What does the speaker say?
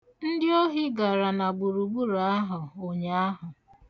Ndị ohi gara na gburugburu ahụ ụnyaahụ.